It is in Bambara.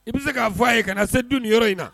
I bɛ se k'a fɔ a ye ka na se du nin yɔrɔ in na